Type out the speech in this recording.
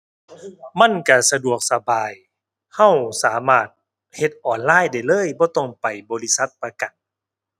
มันก็สะดวกสบาย ก็สามารถ เฮ็ดออนไลน์ได้เลยบ่ต้องไปบริษัทประกัน